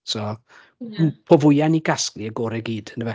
so po fwyaf ni'n casglu y gorau i gyd yndyfe